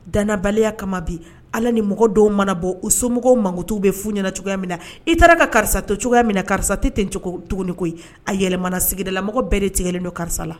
Dananabaliya kama bi ala ni mɔgɔ dɔw mana bɔ u somɔgɔw mankutu bɛ fu ɲɛna cogoya min na i taara ka karisatɔ cogoya min na karisa tɛ tɛ cogo tuguni koyi a yɛlɛmana sigidala mɔgɔ bɛɛ de tigɛlen don karisa la